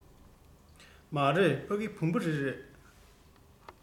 མ རེད ཕ གི བུམ པ རི རེད